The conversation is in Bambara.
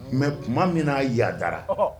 Mɛ tuma min yaadara